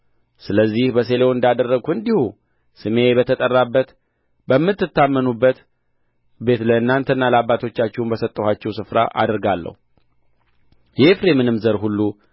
ስለዚህ በሴሎ እንዳደረግሁ እንዲሁ ስሜ በተጠራበት በምትታመኑበት ቤት ለእናንተና ለአባቶቻችሁም በሰጠኋችሁ ስፍራ አደርጋለሁ የኤፍሬምንም ዘር ሁሉ